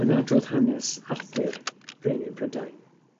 yn adrodd hanes Arthur brenin Prydain